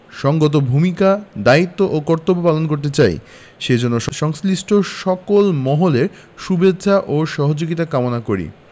সঙ্গত ভূমিকা দায়িত্ব ও কর্তব্য পালন করতে চাই সেজন্য সংশ্লিষ্ট সকল মহলের শুভেচ্ছা ও সহযোগিতা কামনা করি